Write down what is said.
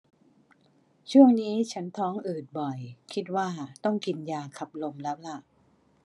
ช่วงนี้ฉันท้องอืดบ่อยคิดว่าต้องกินยาขับลมแล้วล่ะ